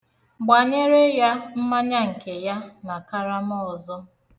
Gbanyere ya mmanya nke ya na karama ọzọ.